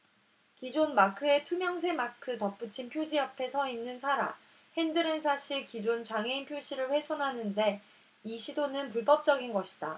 기존 마크에 투명 새 마크 덧붙인 표지 옆에 서있는 사라 핸드렌사실 기존 장애인 표지를 훼손하는 이 시도는 불법적인 것이다